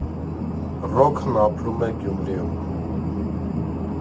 Ռոքն ապրում է Գյումրիում։